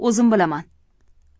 o'zim bilaman